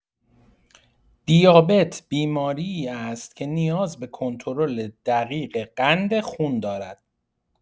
دیابت بیماری‌ای است که نیاز به کنترل دقیق قند خون دارد.